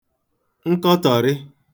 nkọtọ̀rị